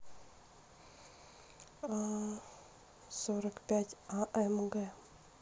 а сорок пять амг